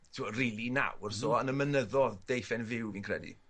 t'od rili nawr so yn y mynyddo'dd deiff e'n fyw fi'n credu.